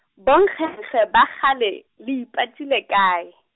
bonkgekge ba kgale le ipatile kae?